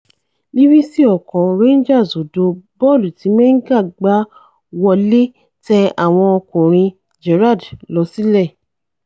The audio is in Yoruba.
Livingston 1 - 0 Rangers: Bọ́ọ̀lù ti Menga gbá wọlé tẹ àwọn ọkùnrin Gerrard lọsílẹ̀